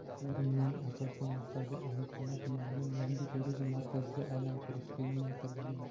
forumning asosiy maqsadi ellikqal'a tumanini yangi turizm markaziga aylantirishga yo'naltirilgan